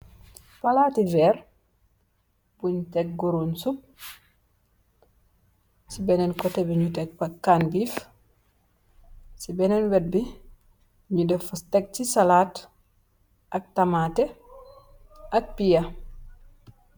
Palaati veer, bunj tek gurum sup, si benen kote bi nyu tegfa kanbif, si benen wet bi nyu defa, teksi salat ak tamate ak piya .